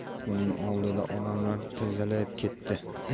uning oldida odamlar tizilib ketdi